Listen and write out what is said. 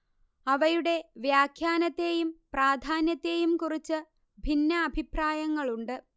അവയുടെ വ്യാഖ്യാനത്തേയും പ്രാധാന്യത്തേയും കുറിച്ച് ഭിന്നാഭിപ്രായങ്ങളുണ്ട്